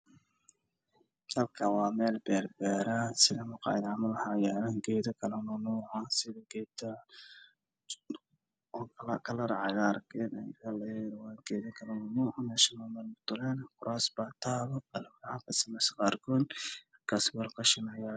Waa meel maqaayad oo banaan oo beer qurux badan maxaa yeelay kuraas maluug ah dhulka waa cagaar roog ah